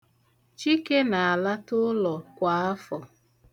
Chike na-alata ụlọ kwa afọ.